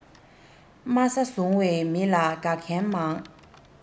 དམའ ས བཟུང བའི མི ལ དགའ མཁན མང